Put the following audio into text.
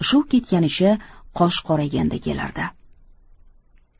shu ketganicha qosh qorayganda kelardi